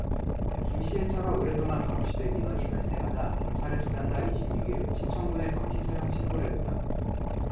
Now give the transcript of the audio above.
김씨의 차가 오랫동안 방치돼 민원이 발생하자 경찰은 지난달 이십 육 일 진천군에 방치 차량 신고를 했다